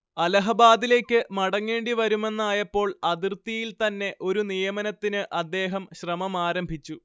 അലഹബാദിലേക്ക് മടങ്ങേണ്ടി വരുമെന്നായപ്പോൾ അതിർത്തിയിൽത്തന്നെ ഒരു നിയമനത്തിന് അദ്ദേഹം ശ്രമമാരംഭിച്ചു